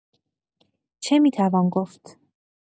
چه می‌توان گفت؟